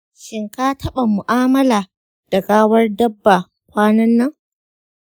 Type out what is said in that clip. shin ka taɓa mu’amala da gawar dabba kwanan nan?